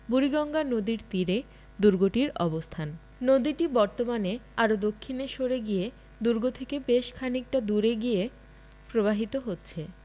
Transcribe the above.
বুড়িগঙ্গা নদীর তীরে দূর্গটির অবস্থান নদীটি বর্তমানে আরও দক্ষিণে সরে গিয়ে দুর্গ থেকে বেশ খানিকটা দূর দিয়ে প্রবাহিত হচ্ছে